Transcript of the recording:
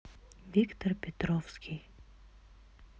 виктор петровский